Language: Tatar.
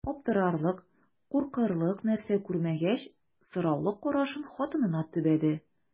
Аптырарлык, куркырлык нәрсә күрмәгәч, сораулы карашын хатынына төбәде.